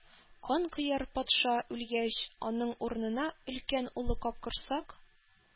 Канкояр патша үлгәч, аның урынына өлкән улы Капкорсак